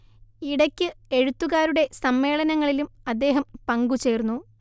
ഇടക്ക് എഴുത്തുകാരുടെ സമ്മേളനങ്ങളിലും അദ്ദേഹം പങ്കുചേർന്നു